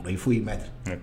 A i foyi i baa di